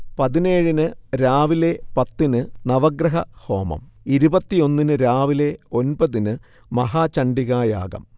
പതിനേഴിന് രാവിലെ പത്തിന് നവഗ്രഹഹോമം, ഇരുപത്തിയൊന്നിന് രാവിലെ ഒൻപതിന് മഹാചണ്ഡികായാഗം